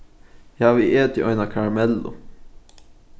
eg havi etið eina karamellu